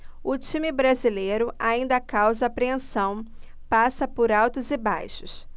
o time brasileiro ainda causa apreensão passa por altos e baixos